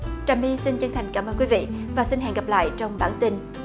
trà my xin chân thành cảm ơn quý vị và xin hẹn gặp lại trong bản tin